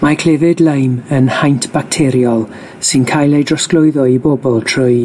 Mae clefyd Lyme yn haint bacteriol sy'n cael ei drosglwyddo i bobol trwy